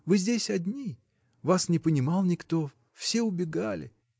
Вы здесь одни, вас не понимал никто, все убегали.